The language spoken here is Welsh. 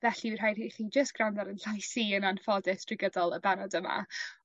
felly rhaid i chi'n jyst grando ar 'yn llais yn anffodus drwy gydol y bennod yma.